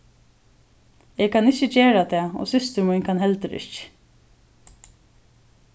eg kann ikki gera tað og systir mín kann heldur ikki